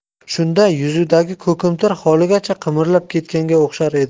shunda yuzidagi ko'kimtir xoligacha qimirlab ketganga o'xshar edi